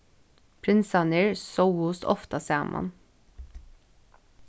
prinsarnir sóust ofta saman